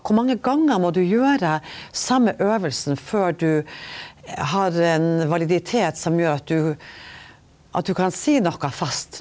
kor mange gonger må du gjere same øvinga før du har ein validitet som gjer at du at du kan seia noko fast?